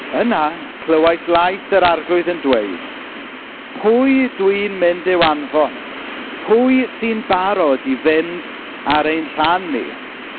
Yna, clywais lais yr arglwydd yn dweud, pwy dwi'n mynd i'w anfon? Pwy sy'n barod i fynd ar ein rhan ni?